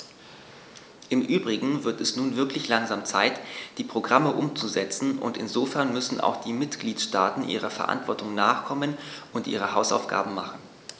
Im übrigen wird es nun wirklich langsam Zeit, die Programme umzusetzen, und insofern müssen auch die Mitgliedstaaten ihrer Verantwortung nachkommen und ihre Hausaufgaben machen.